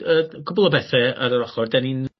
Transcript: yy g- cwbwl o bethe ar yr ochor 'dyn ni'n